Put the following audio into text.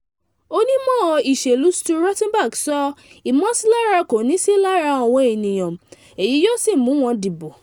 Onímọ̀ ìṣèlú Stu Rothenberg sọ “Ìmọ̀sílára kò ní í sí lára àwọn ènìyàn, èyí yóò sì mú wọn dìbò”